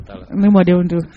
Ne mɔdenw don